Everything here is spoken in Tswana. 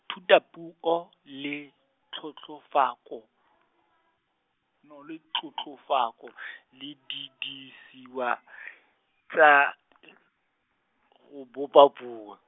thutapuo le tlotlofoko , no le tlotlofoko , le didirisiwa , tsa , go bopa puo.